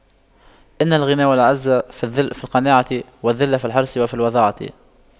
إن الغنى والعز في القناعة والذل في الحرص وفي الوضاعة